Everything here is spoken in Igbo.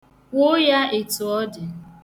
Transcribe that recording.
Kwuo ya etu ọdị.